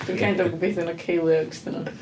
Dwi'n kind of gobeithio na ceiliogs 'di nhw.